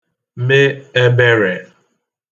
me eberè